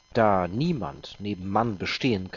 Da niemand neben Mann bestehen kann